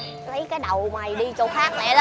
lấy cái đầu mày đi chỗ khác lẹ